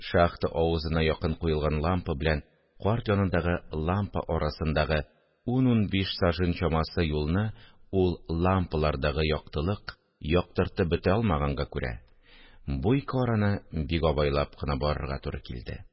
Шахта авызына якын куелган лампа белән карт янындагы лампа арасындагы ун-унбиш сажин чамасы юлны ул лампалардагы яктылык яктыртып бетә алмаганга күрә, бу ике араны бик абайлап кына барырга туры килде